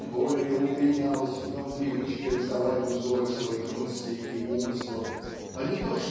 тем более укоренялась в нем привычка рисовать узоры своих мыслей и умыслов а не то